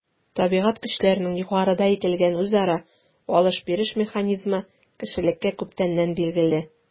Табигать көчләренең югарыда әйтелгән үзара “алыш-биреш” механизмы кешелеккә күптәннән билгеле.